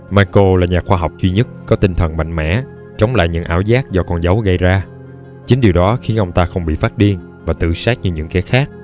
michael là nhà khoa học duy nhất có tinh thần mạnh mẽ chống lại những ảo giác do con dấu gây ra chính điều đó khiến ông ta không bị phát điên và tự sát như những kẻ khác